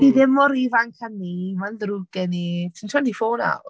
Ti ddim mor ifanc a 'ny, mae'n ddrwg gen i. Ti'n twenty four nawr